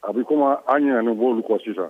A bɛi kuma an ɲ b'olu kɔ sisan